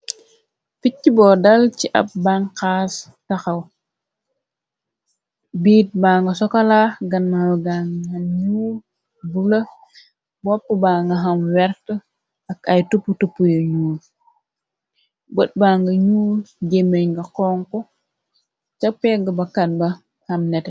picc boo dal ci ab banxaas taxaw biit ba nga sokala gannaw gan nan ñu bu la bopp ba nga xam wert ak ay tup tup yu ñuuy bët ba nga ñu jéme nga konk ca pegg bakat ba xam net